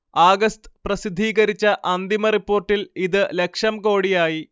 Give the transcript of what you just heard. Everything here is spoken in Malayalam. ആഗസ്ത് പ്രസിദ്ധീകരിച്ച അന്തിമ റിപ്പോർട്ടിൽ ഇത് ലക്ഷം കോടിയായി